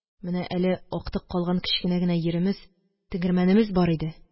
Менә әле актык калган кечкенә генә йиремез, тегермәнемез бар иде